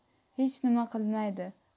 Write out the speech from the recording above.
hech nima qilmaydi